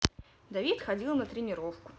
давид ходил на тренировку